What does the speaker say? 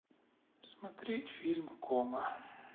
смотреть фильм кома